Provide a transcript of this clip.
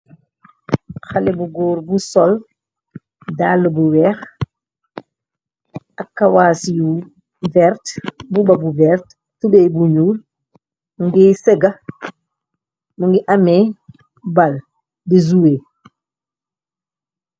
Xale bu góor bu sol dall bu weex ak kawaasi yu verte bu ba bu vert tubey bu nyuul ngiy sega mu ngi amée ball di zouwe.